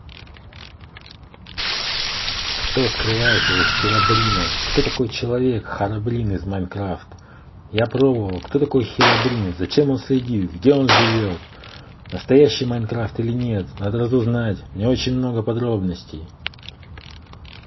кто скрывается за херобрином кто такой человек харабрин из minecraft я попробовал кто такой херобрин зачем он следит где он живет настоящий minecraft или нет надо разузнать мне много очень подробностей